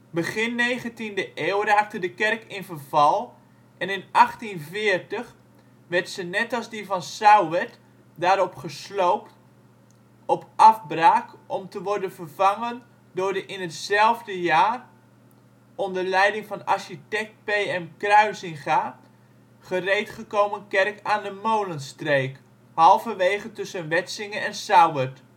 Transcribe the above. Begin 19e eeuw raakte de kerk in verval en in 1840 werd ze net als die van Sauwerd daarop gesloopt op afbraak om te worden vervangen door de in hetzelfde jaar, onder leiding van architect P.M. Kruizinga, gereedgekomen kerk aan de molenstreek, halverwege tussen Wetsinge en Sauwerd